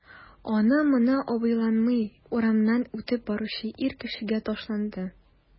Аны-моны абайламый урамнан үтеп баручы ир кешегә ташланды...